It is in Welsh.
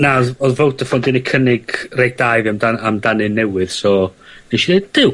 Na odd odd Vodaphone 'di neud cynnig rheit da i fi amdan amdan un newydd so, nesh i ddeud Duw,